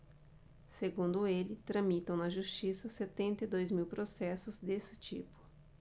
segundo ele tramitam na justiça setenta e dois mil processos desse tipo